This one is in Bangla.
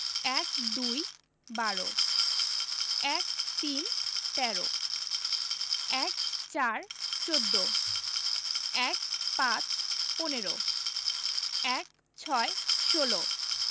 ১২ - বারো ১৩ - তেরো ১৪ - চৌদ্দ ১৫ – পনেরো ১৬ - ষোল